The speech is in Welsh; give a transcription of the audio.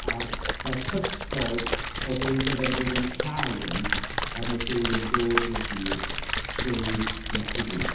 A'r... fel cysgod, o be fyddai'n dod yn llawn, pan oedd Duw yn dod i'r byd, trwy Iesu Grist.